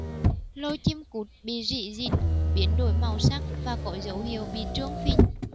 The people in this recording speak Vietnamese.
lô chim cút bị rỉ dịch biến đổi màu sắc và có dấu hiệu bị trương phình